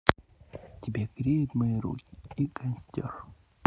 тебя греют мои руки и костер